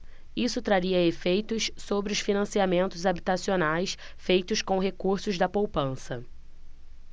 isso traria efeitos sobre os financiamentos habitacionais feitos com recursos da poupança